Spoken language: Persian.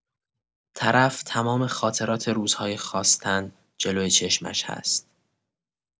طرف تمام خاطرات روزهای خواستن جلوی چشمش هست.